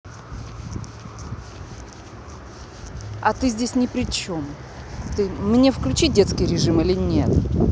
а ты здесь не причем ты мне выключить детский режим или нет